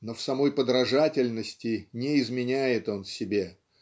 но в самой подражательности не изменяет он себе